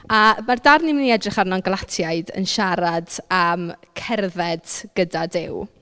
A ma'r darn ni'n mynd i edrych arno yn Galatiaid yn siarad am "Cerdded gyda Duw".